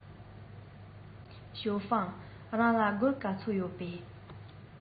ཞའོ ཧྥང རང ལ སྒོར ག ཚོད ཡོད པས